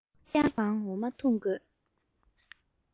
ཁེར རྐྱང ངང འོ མ འཐུང དགོས